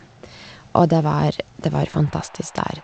Og det var det var fantastisk der.